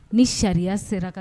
Ni sariya sera